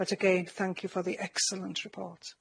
But again thank you for the excellent report.